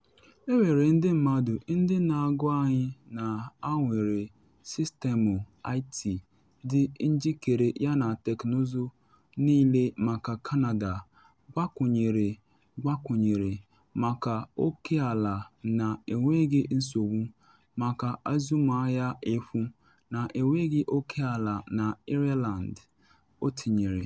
‘Enwere ndị mmadụ ndị na agwa anyị na ha nwere sistemụ IT dị njikere yana teknụzụ niile maka Canada gbakwunyere gbakwunyere, maka oke ala na enweghị nsogbu, maka azụmahịa efu na enweghị oke ala na Ireland,’ o tinyere.